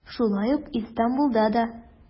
Шулай ук Истанбулда да.